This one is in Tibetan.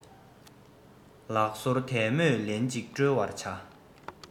ལག སོར དལ མོས ལེན ཅིག དཀྲོལ བར བྱ